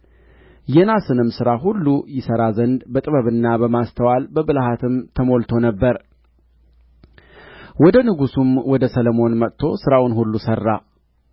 የናስንም ሥራ ሁሉ ይሠራ ዘንድ በጥበብና በማስተዋል በብልሃትም ተሞልቶ ነበር ወደ ንጉሡም ወደ ሰሎሞን መጥቶ ሥራውን ሁሉ ሠራ